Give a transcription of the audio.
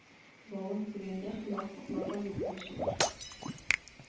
Залын төзегәндә хилафлыкларга юл куючылар